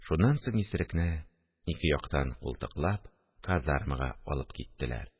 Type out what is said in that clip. Шуннан соң исерекне, ике яктан култыклап, казармага алып киттеләр